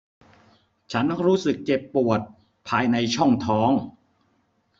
ฉันรู้สึกเจ็บปวดภายในช่องท้อง